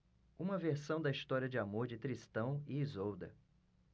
uma versão da história de amor de tristão e isolda